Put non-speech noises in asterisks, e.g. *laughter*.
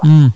*smacks lips*